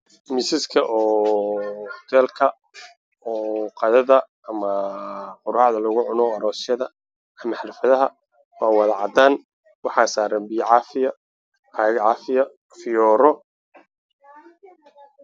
Waa miisaska lagu cuno xafladaha cuntada ama miisaska cuntada la saarto waxa saaran oo ah fiyooro qurux badan waana caddaan miisaska